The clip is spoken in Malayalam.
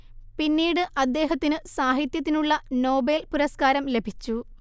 പിന്നീട് അദ്ദേഹത്തിനു സാഹിത്യത്തിനുള്ള നോബേൽ പുരസ്കാരം ലഭിച്ചു